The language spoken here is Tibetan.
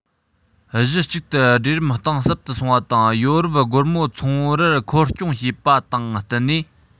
གཞི གཅིག ཏུ སྦྲེལ རིམ གཏིང ཟབ ཏུ སོང བ དང ཡོ རོབ སྒོར མོ ཚོང རར འཁོར སྐྱོད བྱས པ དང བསྟུན ནས